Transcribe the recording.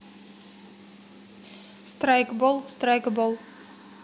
страйкбол страйкбол